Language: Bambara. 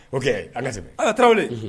Ok an k'a sɛbɛn aa tarawere.